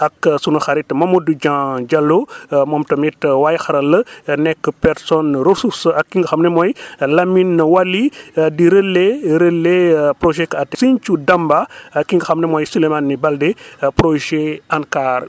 ak sunu xarit Momadou Dieng Diallo moom tamit waay xarala nekk personne ressource ak ki nga xam ne mooy Lamine Waly di relai relai projet 4 Sinthiou Damba ak ki nga xam ne mooy Souleymane Balde projet ANCAR